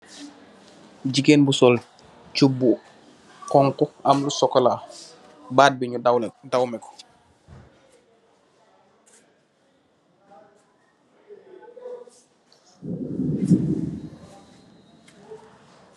Gigain bu sol choup bu honhu am lu chocolat, baat bii nju dawneh dawmeh kor.